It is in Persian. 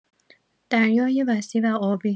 دریای وسیع و آبی